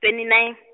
twenty nine.